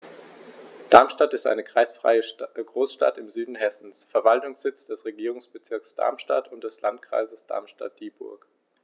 Darmstadt ist eine kreisfreie Großstadt im Süden Hessens, Verwaltungssitz des Regierungsbezirks Darmstadt und des Landkreises Darmstadt-Dieburg.